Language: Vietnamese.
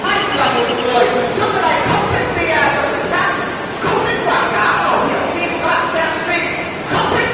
anh là một người từ trước tới nay không thích pi a cho người khác không thích quảng cáo các đồ hiệu khi mà các bạn xem sờ trim không thích